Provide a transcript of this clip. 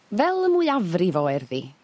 Fel y mwyafrif o erddi